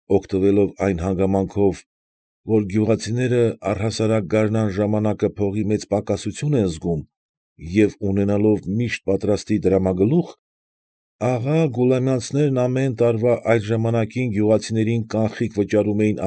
Օգտվելով այն հանգամանքով, որ գյուղացիները առհասարակ գարնան ժամանակը փողի մեծ պակասություն են զգում և ունենալով միշտ պատրաստի դրամագլուխ, ֊ աղա Գուլամյանցներն ամեն տարվա այդ ժամանակին գյուղացիներին կանխիկ վճարում էին։